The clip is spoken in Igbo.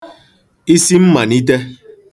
isimmànite